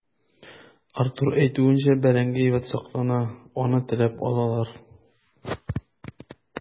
Артур әйтүенчә, бәрәңге әйбәт саклана, аны теләп алалар.